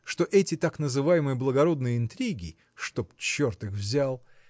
что эти так называемые благородные интриги – чтоб черт их взял!